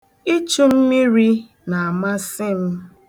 Ichu mmiri na-amasị m.